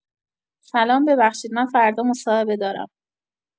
سلام ببخشید من فردا مصاحبه دارم